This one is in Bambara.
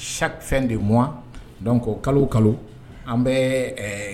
Chaque fin de moi donc kalo o kalo kalo an bɛ